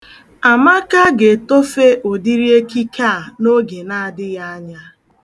Amaka ga-etofe ụdịrị ekike a n'oge na-adịghị anya.